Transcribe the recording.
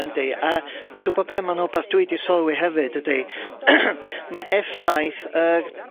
Tndi yy tw'bo be ma'n wbath dwi di sylwi hefyd ydi ma' effaith yy